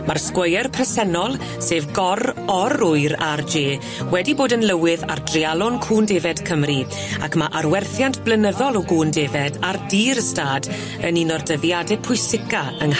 Ma'r sgweier presennol sef gor-or-wyr Are Jay wedi bod yn lywydd ar dreialon cŵn defed Cymru ac ma' arwerthiant blynyddol o gŵn defed ar dir y stad yn un o'r dyddiade pwysica yng